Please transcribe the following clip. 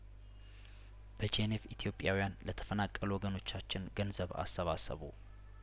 በጄኔቭ ኢትዮጵያዊያን ለተፈናቀሉ ወገኖቻችን ገንዘብ አሰባሰቡ